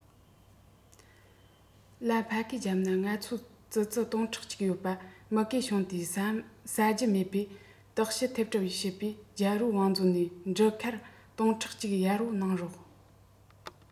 ལ ཕ གིའི རྒྱབ ན ང ཚོ ཙི ཙི སྟིང ཕྲག གཅིག ཡོད པ ག མུ གེ བྱུང སྟེ ཟ རྒྱུ མེད བས ལྟོགས ཤི ཐེབས གྲབས བྱེད པས རྒྱལ པོའི བང མཛོད ནས འབྲུ ཁལ སྟོང ཕྲག གཅིག གཡར པོ གནང རོགས